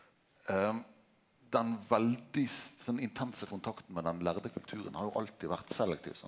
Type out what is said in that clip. den veldig sånn intense kontakten med den lærde kulturen har jo alltid vore selektiv, sant.